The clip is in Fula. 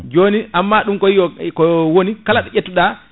joni amma ɗum ko woni kala ɗo ƴettuɗa